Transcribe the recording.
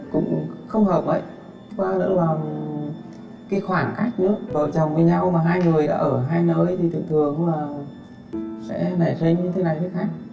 cũng không hợp mấy thứ ba nữa là cái khoảng cách nữa vợ chồng với nhau mà hai người ở hai nơi thì thường thường cũng là sẽ nảy sinh thế này thế khác